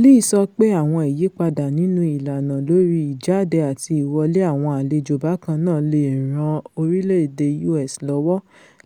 Lee sọ pé àwọn ìyípadà nínú ìlàna lórí ìjáde àti ìwọlé àwọn àlejò bákannáà leè ran orílẹ̀-èdè U.S. lọ́wọ́